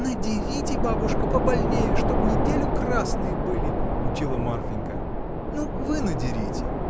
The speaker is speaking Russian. — Надерите, бабушка, побольнее, чтоб неделю красные были! — учила Марфинька. — Ну, вы надерите!